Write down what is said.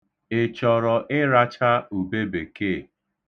Ị chọrọ ịracha ubebekee?